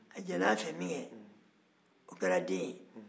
a jɛr'a fɛ min kɛ o kɛra den